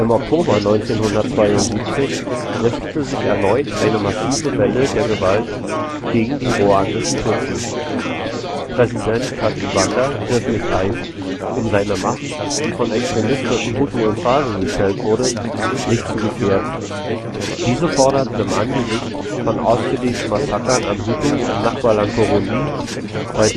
Oktober 1972 richtete sich erneut eine massive Welle der Gewalt gegen die ruandischen Tutsi. Präsident Kayibanda griff nicht ein, um seine Macht, die von extremistischen Hutu infrage gestellt wurde, nicht zu gefährden – diese forderten im Angesicht von ausgedehnten Massakern an Hutu im Nachbarland Burundi, bei